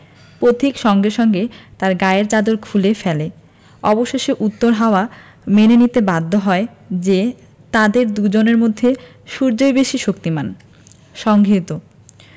পথিক সঙ্গে সঙ্গে তার গায়ের চাদর খুলে ফেলে অবশেষে উত্তর হাওয়া মেনে নিতে বাধ্য হয় যে তাদের দুজনের মধ্যে সূর্যই বেশি শক্তিমান সংগিহীত